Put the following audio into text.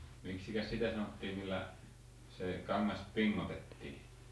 miksikäs sitä sanottiin millä se kangas pingotettiin